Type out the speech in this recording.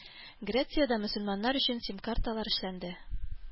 Грециядә мөселманнар өчен СИМ-карталар эшләнде.